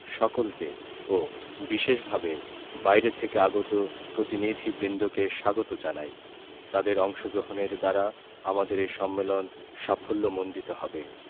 সকলকে ও বিশেষভাবে বাইরে থেকে আগত প্রতিনিধিবৃন্দকে স্বাগত জানাই তাদের অংশগ্রহণের দ্বারা আমাদের এ সম্মেলন সাফল্যমণ্ডিত হবে